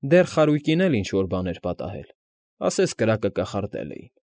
Դեռ խարույկին էլ ինչ֊որ բան էր պատահել, ասես կրակը կախարդել էին։